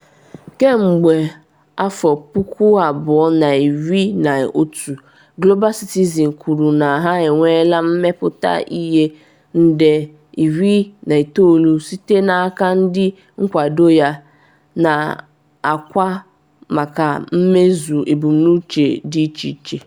Kemgbe 2011, Global Citizen kwuru na ha enweela ”mmepụta ihe” nde 19 site n’aka ndị nkwado ya, na-akwa maka mmezu ebumnuche dị iche iche.